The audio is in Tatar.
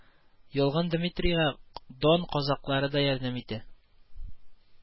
Ялган Дмитрийга Дон казаклары да ярдәм итә